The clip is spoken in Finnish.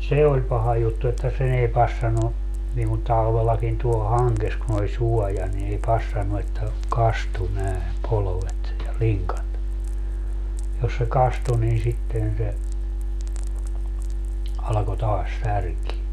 se oli paha juttu että sen ei passannut niin kuin talvellakin tuolla hangessa kun oli suoja niin ei passannut että kastui näin polvet ja linkat jos se kastui niin sitten se alkoi taas särkeä